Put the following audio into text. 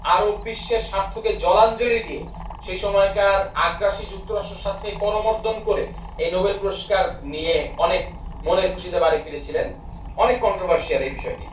আরব বিশ্বে স্বার্থকে জলাঞ্জলি দিয়ে সেই সময়কার আগ্রাসী যুক্তরাষ্ট্রের সাথে করমর্দন করে এই নোবেল পুরস্কার নিয়ে অনেক মনে খুশিতে বাড়ি ফিরেছিলেন অনেক কন্ত্রভার্শিয়াল এ বিষয়টি